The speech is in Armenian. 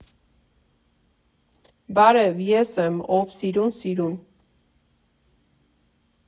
Բարև, ես եմ՝ ով սիրո՜ւն սիրո՜ւն։